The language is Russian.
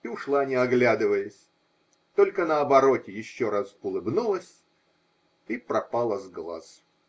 И ушла, не оглядываясь, только на обороте еще раз улыбнулась и пропала с глаз.